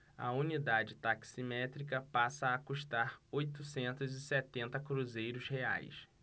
a unidade taximétrica passa a custar oitocentos e setenta cruzeiros reais